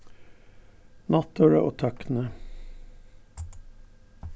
náttúra og tøkni